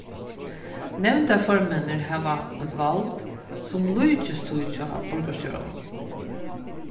nevndarformenninir hava eitt vald sum líkist tí hjá borgarstjóranum